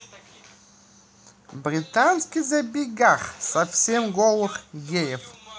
британский забегах совсем голых геев